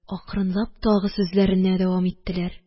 Акрынлап тагы сүзләренә дәвам иттеләр.